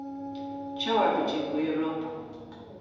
tjóðarbygging í europa